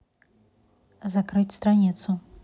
закрыть страницу